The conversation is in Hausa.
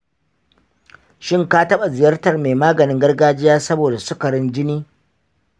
shin ka taɓa ziyartar mai maganin gargajiya saboda sukarin jini?